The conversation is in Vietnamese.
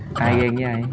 ai ghen với ai